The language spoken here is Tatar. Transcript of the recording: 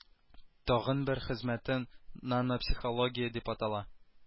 Тагын бер хезмәтем нанопсихология дип атала